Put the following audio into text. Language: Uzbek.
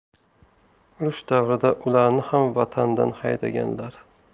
urush davrida ularni ham vatandan haydaganlar